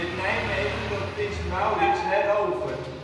Nijmegen door Prins Maurits heroverd